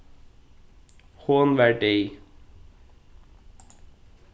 hon var deyð